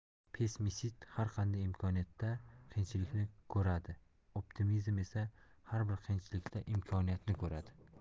pessimist har qanday imkoniyatda qiyinchilikni ko'radi optimizm esa har bir qiyinchilikda imkoniyatni ko'radi